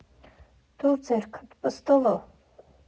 Տուր ձեռքդ, պստլո։